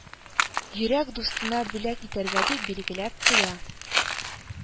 Йөрәк дустына бүләк итәргә дип билгеләп куя